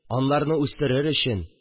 Анларны үстерер өчен